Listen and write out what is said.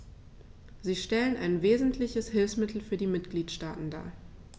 Sie stellen ein wesentliches Hilfsmittel für die Mitgliedstaaten dar.